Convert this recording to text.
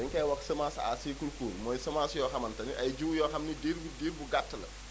dañu koy wax semence à cycle court mooy semence yoo xamante ni ay jiwu yoo xam ni diir bu diir bu gàtt la